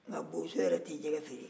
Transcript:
nka bozocɛ yɛrɛ tɛ jɛgɛ feere